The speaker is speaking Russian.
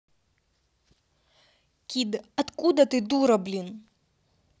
kid откуда ты дура блин